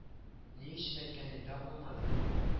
Ни өчен әйткәнен дә аңламадым